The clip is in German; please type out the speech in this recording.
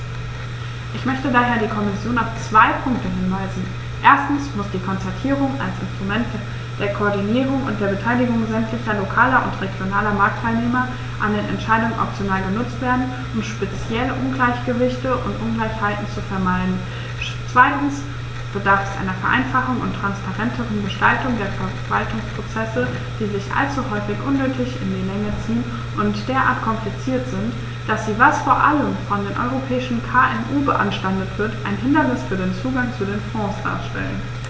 Ich möchte daher die Kommission auf zwei Punkte hinweisen: Erstens muss die Konzertierung als Instrument der Koordinierung und der Beteiligung sämtlicher lokaler und regionaler Marktteilnehmer an den Entscheidungen optimal genutzt werden, um speziell Ungleichgewichte und Ungleichheiten zu vermeiden; zweitens bedarf es einer Vereinfachung und transparenteren Gestaltung der Verwaltungsprozesse, die sich allzu häufig unnötig in die Länge ziehen und derart kompliziert sind, dass sie, was vor allem von den europäischen KMU beanstandet wird, ein Hindernis für den Zugang zu den Fonds darstellen.